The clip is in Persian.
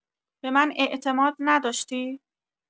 به من اعتماد نداشتی؟